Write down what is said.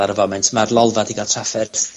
ar y foment ma'r Lolfa 'di ga'l trafferth...